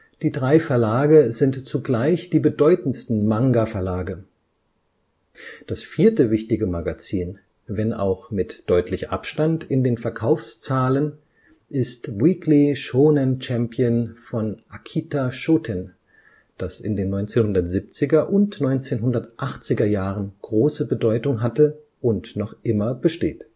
Die drei Verlage sind zugleich die bedeutendsten Manga-Verlage. Das vierte wichtige Magazin, wenn auch mit deutlich Abstand in den Verkaufszahlen, ist Weekly Shōnen Champion von Akita Shoten, das in den 1970er und 1980er Jahren große Bedeutung hatte und noch immer besteht